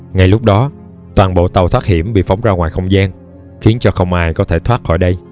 ngay lúc đó toàn bộ tàu thoát hiểm bị phóng ra ngoài không gian khiến cho ko ai có thể thoát khỏi đây